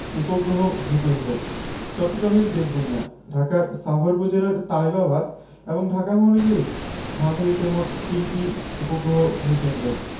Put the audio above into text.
উপগ্রহ ভূ কেন্দ্রঃ চট্টগ্রামের বেতবুনিয়া ঢাকার সাভার উপজেলায় তালিবাবাদ এবং ঢাকা মহানগরীর মহাখালীতে মোট তিনটি উপগ্রহ ভূ কেন্দ্র